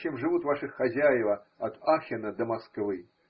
чем живут ваши хозяева от Ахена до Москвы.